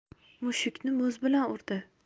mushukni muz bilan urdi